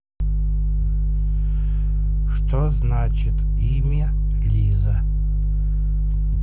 что значит имя лиза